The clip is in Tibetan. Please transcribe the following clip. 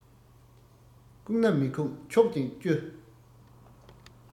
བཀུག ན མི ཁུག འཁྱོག ཅིང གཅུ